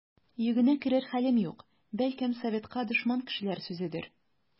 Йөгенә керер хәлем юк, бәлкем, советка дошман кешеләр сүзедер.